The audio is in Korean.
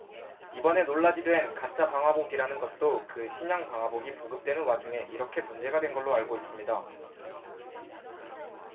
이번에 논란이 된 가짜 방화복이라는 것도 그 신형 방화복이 보급되는 와중에 이렇게 문제가 된 걸로 알고 있습니다